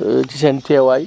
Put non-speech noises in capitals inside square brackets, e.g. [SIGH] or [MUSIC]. [HESITATION] ci seen teewaay